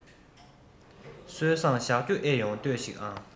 སྲོལ བཟང གཞག རྒྱུ ཨེ ཡོང ལྟོས ཤིག ཨང